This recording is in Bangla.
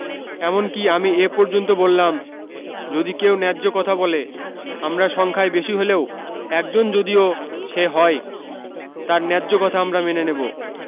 এমন কি আমি এ পর্যন্ত বললাম যদি কেউ ন্যায্য কথা বলে আমরা সংখ্যায় বেশি হলেও একজন যদিও সে হয় তার ন্যায্য কথা আমরা মেনে নেবো